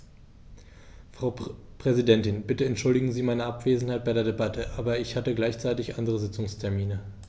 Frau Präsidentin, bitte entschuldigen Sie meine Abwesenheit bei der Debatte, aber ich hatte gleichzeitig andere Sitzungstermine.